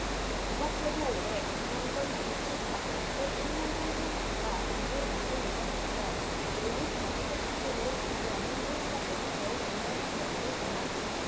이밖에도 올해 강남권 재건축 아파트 일 만 삼천 가구가 이주에 나설 예정이어서 연립 다세대주택으로 이주하는 세입자들은 더욱 늘어날 것으로 전망된다